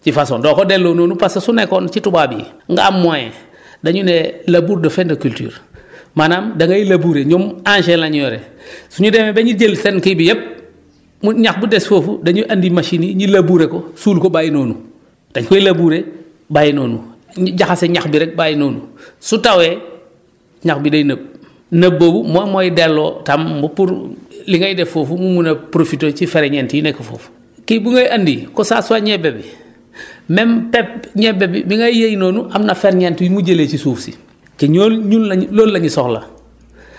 ci façon doo ko delloo noonu parce que su nekkoon ci tubaab yi nga am moyen daénu ne labour de fin de culture maanaam da ngay labourer énoom engin la ñu yore su ñu demee ba ñu jël seen kii bi yëpp mu ñax bu des foofu dañu andi machines yi ñu labourer ko suul ko bàyyi noonu dañu koy labourer bàyyi noonu ñu jaxase ñax bi rek bàyyi noonu su tawee ñax bi day nëb nëb boobu moom mooy delloo tam pour li ngay def foofu mu mun a profité ci ferñeent yi nekk foofu kii bu ngay andi que ça soit ñebe bi même pepp ñebe bi ngay yëy noonu am na ferñeent yu mu jëlee ci suuf si te ñooñu ñun la ñu loolu la ñu soxla